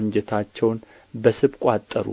አንጀታቸውን በስብ ቋጠሩ